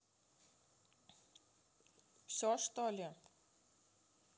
все что ли